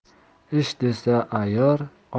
ish desa ayyor